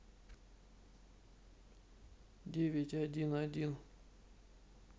девять один один